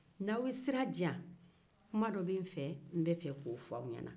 ni aw ye sira di yan kuma dɔ bɛ n'fɛ n'bɛ fɛ ka o fɔ aw ɲɛna